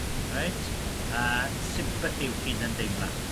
Reit yy sympathy yw cydymdeimlad.